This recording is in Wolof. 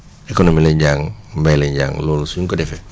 économie lañ jàng mbéy lañ jàng loolu su ñu ko defee